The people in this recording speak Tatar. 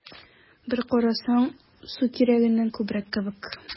Бер карасаң, су кирәгеннән күбрәк кебек: